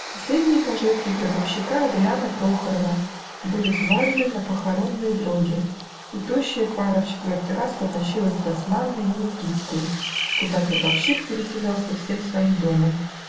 Последние пожитки гробовщика Адрияна Прохорова были взвалены на похоронные дроги, и тощая пара в четвертый раз потащилась с Басманной на Никитскую, куда гробовщик переселялся всем своим домом.